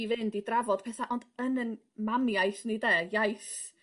...i fynd i drafod petha ond yn 'yn mamiaith ni 'de iaith